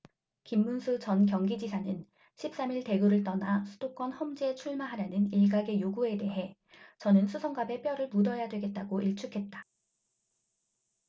김문수 전 경기지사는 십 삼 일 대구를 떠나 수도권 험지에 출마하라는 일각의 요구에 대해 저는 수성갑에 뼈를 묻어야 되겠다고 일축했다